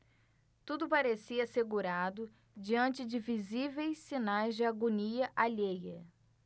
tudo parecia assegurado diante de visíveis sinais de agonia alheia